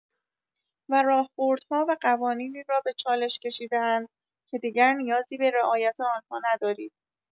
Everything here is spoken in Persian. و راهبردها و قوانینی را به چالش کشیده‌اند که دیگر نیازی به رعایت آن‌ها ندارید.